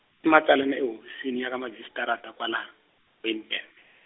i matsalani ehofisini ya ka majisitarata kwala, Wynberg.